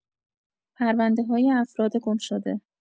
پرونده‌‌های افراد گم‌شده